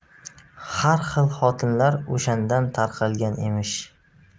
har xil xotinlar o'shandan tarqalgan emish